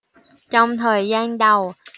trong thời gian đầu